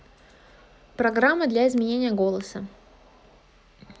программа для изменения голоса